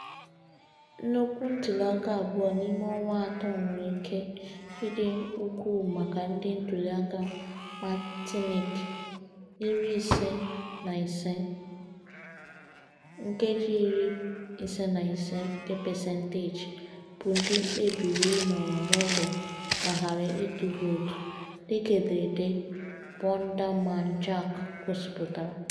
Nnukwu ntuliaka abụọ n'ime ọnwa atọ nwere ike idi ukwuu maka ndị ntuliaka Martinic 55.55% bụ ndị kpebiri ịnọrọ n'ụlọ ma ghara ịtụ vootu, dịka ederede Bondamanjak [Fr] gosịpụtara.